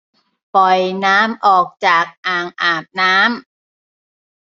ปล่อยน้ำออกจากอ่างอาบน้ำ